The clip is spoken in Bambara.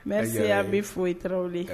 Miya bɛ foyi tarawelewli